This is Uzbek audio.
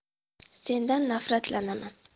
sendan nafratlanaman